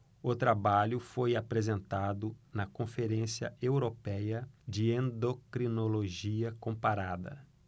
o trabalho foi apresentado na conferência européia de endocrinologia comparada